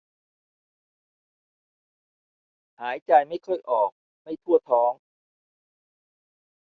หายใจไม่ค่อยออกไม่ทั่วท้อง